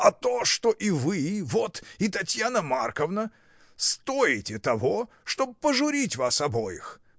— А то, что и вы, вот и Татьяна Марковна, стоите того, чтоб пожурить вас обоих.